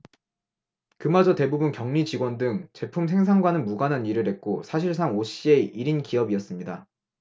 그마저 대부분 경리직원 등 제품 생산과는 무관한 일을 했고 사실상 오 씨의 일 인 기업이었습니다